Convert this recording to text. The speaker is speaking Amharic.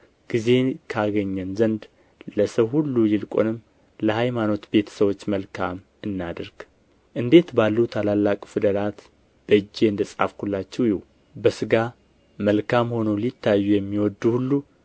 ጊዜ ካገኘን ዘንድ ለሰው ሁሉ ይልቁንም ለሃይማኖት ቤተ ሰዎች መልካም እናድርግ እንዴት ባሉ ታላላቆች ፊደላት በእጄ እንደ ጻፍሁላችሁ እዩ በሥጋ መልካም ሆነው ሊታዩ የሚወዱ ሁሉ